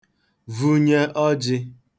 vunye ọjị̄